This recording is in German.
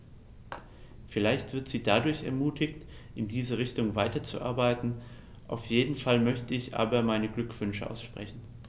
Vielleicht wird sie dadurch ermutigt, in diese Richtung weiterzuarbeiten, auf jeden Fall möchte ich ihr aber meine Glückwünsche aussprechen.